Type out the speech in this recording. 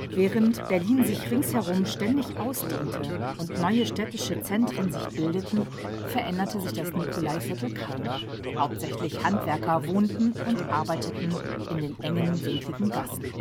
Während Berlin sich ringsherum ständig ausdehnte und neue städtische Zentren sich bildeten, veränderte sich das Nikolaiviertel kaum; hauptsächlich Handwerker wohnten und arbeiteten in den engen, winkligen Gassen